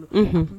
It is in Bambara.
Unhun